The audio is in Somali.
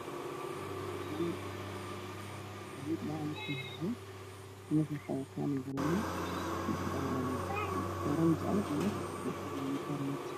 Waa wiilal dheelayo basketball waxay hayaan banooni waxay qabaan fanaanado qaxwi ah